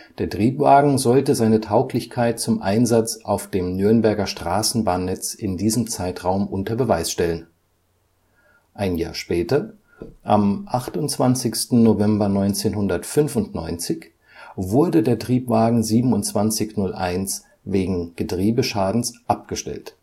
Der Triebwagen sollte seine Tauglichkeit zum Einsatz auf dem Nürnberger Straßenbahnnetz in diesem Zeitraum unter Beweis stellen. Ein Jahr später, am 28. November 1995 wurde der Triebwagen 2701 wegen Getriebeschadens abgestellt